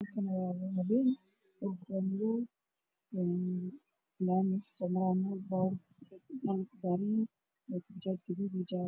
Halkaan waa habeen dhulka waa madow laamiga waxaa soo maraaya baabuur nal ka daaran yahay mooto bajaaj gaduud iyo jaallo.